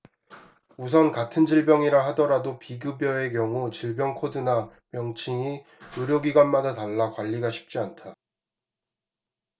우선 같은 질병이라 하더라도 비급여의 경우 질병 코드나 명칭이 의료기관마다 달라 관리가 쉽지 않다